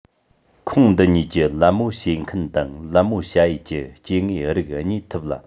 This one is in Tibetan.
ཁོངས འདི གཉིས ཀྱི ལད མོ བྱེད མཁན དང ལད མོ བྱ ཡུལ གྱི སྐྱེ དངོས རིགས རྙེད ཐུབ ལ